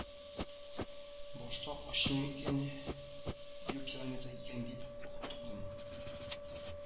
Башта ачыйммы икән, юкилометры икән дип куркып тордым